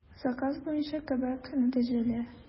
Заказ буенча кебек, нәтиҗәле.